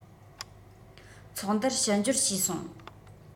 ཚོགས འདུར ཕྱི འབྱོར བྱས སོང